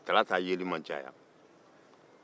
tarata yeli man ca yan